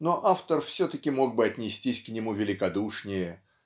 но автор все-таки мог бы отнестись к нему великодушнее